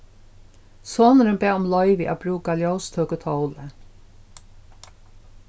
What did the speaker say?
sonurin bað um loyvi at brúka ljóstøkutólið